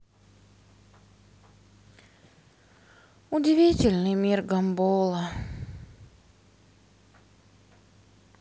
удивительный мир гамболо